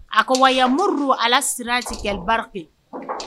A ko wa ya mori don ala siransi kɛlɛba fɛ